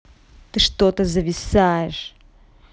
ты что то зависаешь